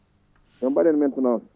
yooɓe mbaɗ hen *